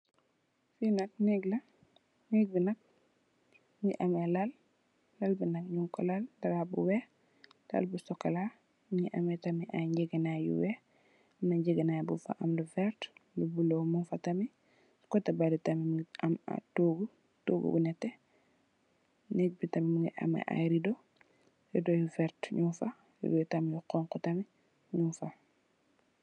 Fee nak neek la neek be nak muge ameh lal lal be nak nugku lal dara bu weex lal bu sukola muge ameh tam aye nyegenay yu weex amna nyegenay bufa am lu verte lu bulo mugfa tamin koteh bale tam muge am aye toogu toogu bu neteh neek be tam muge ameh aye redou redou yu verte mugfa yuy tam yu xonxo tamin nugfa.